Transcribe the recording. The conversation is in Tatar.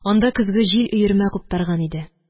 Анда көзге җил өермә куптарган иде